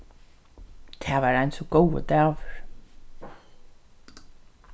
tað var ein so góður dagur